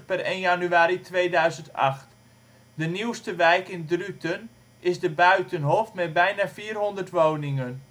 11.866 per 1-1-2008). De nieuwste wijk in Druten is de Buitenhof met bijna 400 woningen